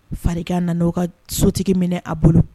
Farigan nana u ka sotigi minɛ a bolo.